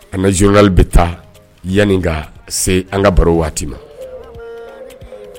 A ni journal bɛ taa, ka se an ka baaro waati ma.